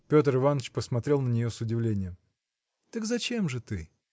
Петр Иваныч посмотрел на нее с удивлением. – Так зачем же ты?.